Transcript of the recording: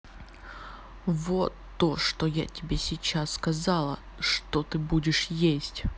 вот то что я тебе сейчас сказала что ты будешь есть